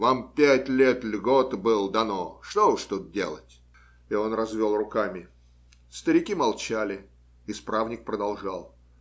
Вам пять лет льготы было дано. Что уж тут делать?. И он развел руками. Старики молчали. Исправник продолжал